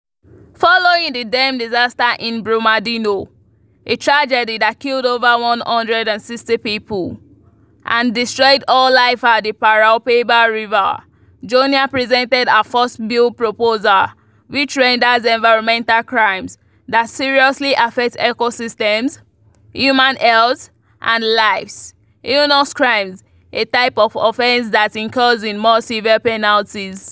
Following the dam disaster in Brumadinho, a tragedy that killed over 160 people and destroyed all life at the Paraopeba River, Joenia presented her first bill proposal, which renders environmental crimes that seriously affect ecosystems, human health, and lives, "heinous crimes", a type of offense that incurs in more severe penalties.